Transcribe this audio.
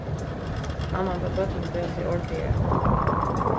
mamman bað børnini bera seg ordiliga at